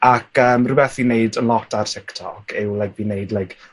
Ac yym rwbeth fi'n neud yn lot ar TikTok yw like fi'n neud like